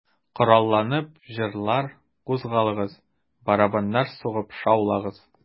Коралланып, җырлар, кузгалыгыз, Барабаннар сугып шаулагыз...